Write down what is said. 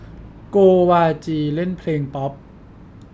โกวาจีเล่นเพลงป๊อป